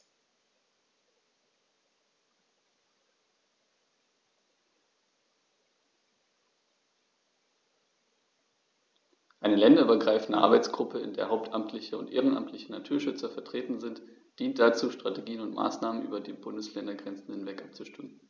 Eine länderübergreifende Arbeitsgruppe, in der hauptamtliche und ehrenamtliche Naturschützer vertreten sind, dient dazu, Strategien und Maßnahmen über die Bundesländergrenzen hinweg abzustimmen.